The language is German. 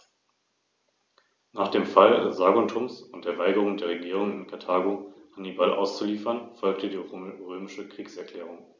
Der Mensch steht im Biosphärenreservat Rhön im Mittelpunkt.